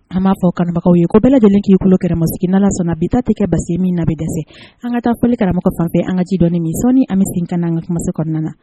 An b'a fɔ kɔnbagaw ye ko bɛɛ lajɛlen k'i bolo kɛlɛmasigida la bita tɛ kɛ basi ye min nabi dɛsɛ an ka taa kokara karamɔgɔ fanp an kaci dɔni sɔnni an bɛ sen kan antumasi kɔnɔna na